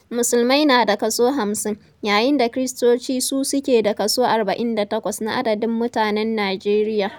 Musulmai na da kaso 50 yayin da Kiristoci su suke da kaso 48 na adadin mutanen Nijeriya.